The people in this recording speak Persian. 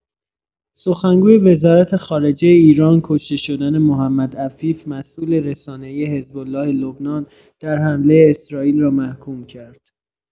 سخنگوی وزارت‌خارجه ایران، کشته شدن محمد عفیف، مسئول رسانه‌ای حزب‌الله لبنان در حمله اسرائیل را محکوم کرد.